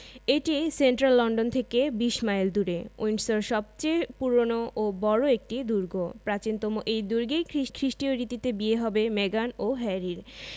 এটি central London থেকে ২০ mile দূরে উইন্ডসর সবচেয়ে পুরোনো ও বড় একটি দুর্গ প্রাচীনতম এই দুর্গেই খ্রিষ্টীয় রীতিতে বিয়ে হবে মেগান ও হ্যারির